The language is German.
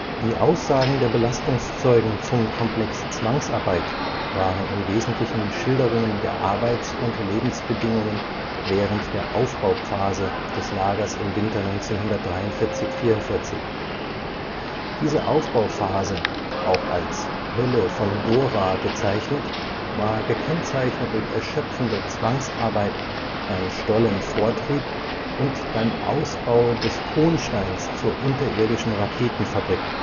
Die Aussagen der Belastungszeugen zum Komplex Zwangsarbeit waren im Wesentlichen Schilderungen der Arbeits - und Lebensbedingungen während der Aufbauphase des Lagers im Winter 1943 / 1944. Diese Aufbauphase, auch als „ Hölle von Dora “bezeichnet, war gekennzeichnet durch erschöpfende Zwangsarbeit beim Stollenvortrieb und beim Ausbau des Kohnsteins zur unterirdischen Raketenfabrik